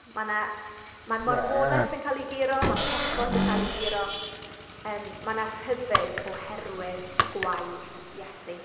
Mae 'na... mae marwolaeth yn cael ei guro, ma' pechod yn cael ei guro, yym mae 'na rhyddid oherwydd gwaed Iesu.